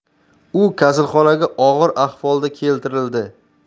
u kasalxonaga og'ir ahvolda keltirildi